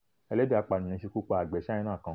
Ẹlẹ́dẹ̀ Apànìyàn Ṣekú pa Àgbẹ̀ Ṣáína kan.